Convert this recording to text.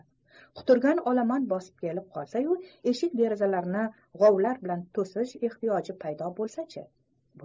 quturgan olomon bosib kelib qolsa yu eshik derazalarni g'ovlar bilan to'sish ehtiyoji paydo bo'lsa chi